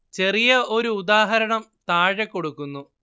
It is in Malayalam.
ചെറിയ ഒരു ഉദാഹരണം താഴെ കൊടുക്കുന്നു